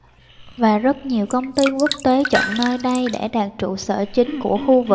và rất nhiều công ty quốc tế chọn nơi đây để đặt trụ sở chính của khu vực